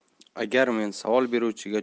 agar men savol beruvchiga